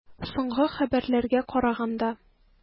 Соңгы хәбәрләргә караганда.